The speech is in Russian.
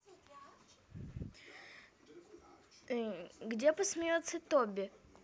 где посмеется тоби